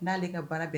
N'ale ka baara bɛn